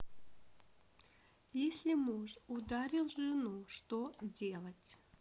если муж ударил жену что делать